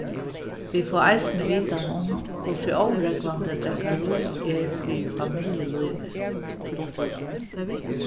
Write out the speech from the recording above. vit fáa eisini vitan um hvussu órógvandi drekkarí er fyri familjulívið